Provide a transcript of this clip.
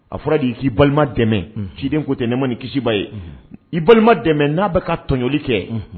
A fɔra de ki'i k'i balima dɛmɛ, unhun, ciden ko tɛ nɛma ni kisi b'a ye, unhun, i balima dɛmɛ n'a bɛ ka tɔɲɔli kɛ, unhun.